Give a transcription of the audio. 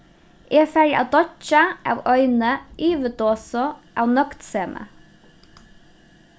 eg fari at doyggja av eini yvirdosu av nøgdsemi